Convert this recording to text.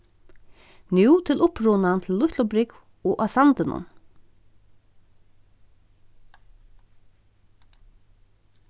nú til upprunan til lítlubrúgv og á sandinum